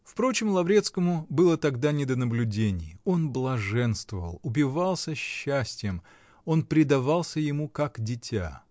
Впрочем, Лаврецкому было тогда не до наблюдений: он блаженствовал, упивался счастием он предавался ему, как дитя.